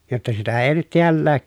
jotta sitä ei nyt täälläkään